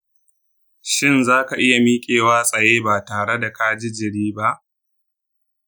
shin zaka iya mikewa tsaye batareda ka ji jiri ba?